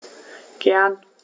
Gern.